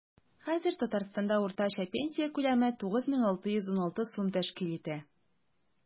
Хәзер Татарстанда уртача пенсия күләме 9616 сум тәшкил итә.